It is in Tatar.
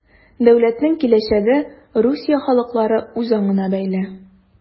Дәүләтнең киләчәге Русия халыклары үзаңына бәйле.